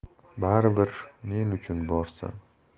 baribir men uchun borsan